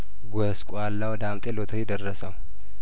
ጐስቋላው ዳምጤ ሎተሪ ደረሰው